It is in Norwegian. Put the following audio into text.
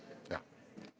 ja.